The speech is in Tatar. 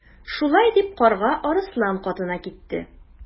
Шулай дип Карга Арыслан катына китте.